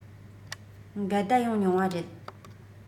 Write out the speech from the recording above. འགལ ཟླ ཡོང མྱོང བ རེད